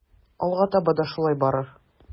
Алга таба да шулай барыр.